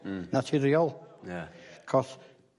Hmm. Naturiol. Ie. 'C'os